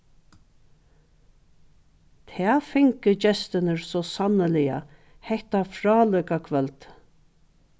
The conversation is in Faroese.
tað fingu gestirnir so sanniliga hetta frálíka kvøldið